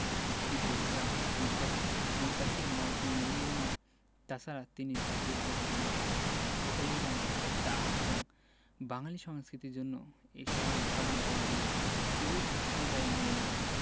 কি বলব স্যার মিঃ মুনতাসীর মাল্টিমিলিওনার তাছাড়া তিনি জাতীয়তাবাদী নেতা সকলেই জানে তা এবং বাঙালী সংস্কৃতির জন্য এ শহরে সবার বরেণ্য তবুও প্রশ্নটা মেইন